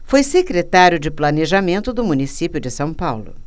foi secretário de planejamento do município de são paulo